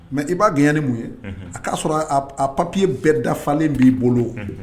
Mais i b'a dunɲɛ ni mun ye, Unhun, a k'a sɔrɔ a papier bɛɛ dafalen b'i bolo, Unhun,